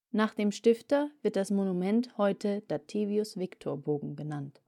Nach dem Stifter wird das Monument heute Dativius-Victor-Bogen genannt